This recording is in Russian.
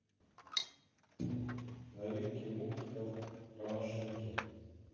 новинки мультиков про машинки